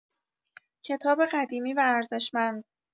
کتاب قدیمی و ارزشمند